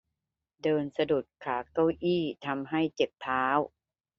เดินสะดุดขาเก้าอี้ทำให้เจ็บเท้า